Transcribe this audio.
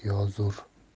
kerak yo zo'r